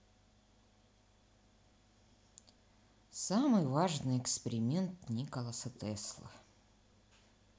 самый важный эксперимент николы теслы